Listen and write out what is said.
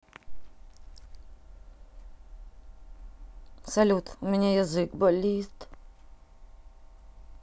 салют у меня язык болит